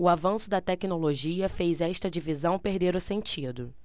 o avanço da tecnologia fez esta divisão perder o sentido